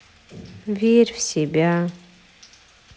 верь в себя